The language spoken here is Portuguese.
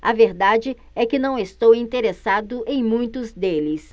a verdade é que não estou interessado em muitos deles